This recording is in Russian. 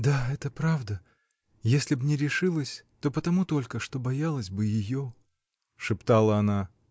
— Да, это правда: если б не решилась, то потому только, что боялась бы ее. — шептала она.